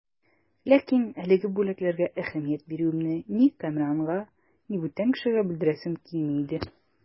Ләкин әлеге бүләкләргә әһәмият бирүемне ни Кәмранга, ни бүтән кешегә белдерәсем килми иде.